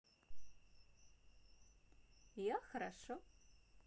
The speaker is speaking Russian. я хорошо